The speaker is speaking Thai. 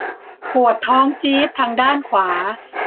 ปวดท้องจี๊ดทางด้านขวา